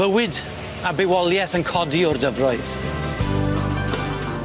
Bywyd a bywolieth yn codi o'r dyfroedd.